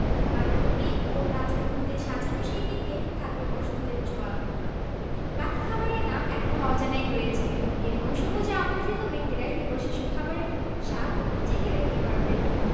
butter cream ও তাজা ফুল দিয়ে সাজানো সেই কেকে থাকবে বসন্তের ছোঁয়া বাকি খাবারের নাম এখনো অজানাই রয়েছে বিয়ের নৈশভোজে আমন্ত্রিত ব্যক্তিরাই কেবল সেসব খাবারের স্বাদ চেখে দেখতে পারবেন